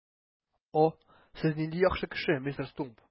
О, сез нинди яхшы кеше, мистер Стумп!